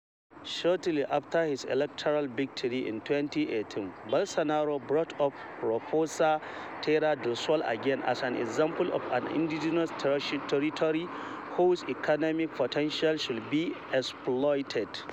Shortly after his electoral victory in 2018, Bolsonaro brought up Raposa Terra do Sol again as an example of an indigenous territory whose economic potential should be exploited.